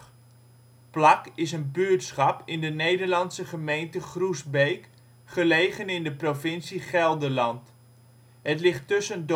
Plak is een buurtschap in de Nederlandse gemeente Groesbeek, gelegen in de provincie Gelderland. Het ligt tussen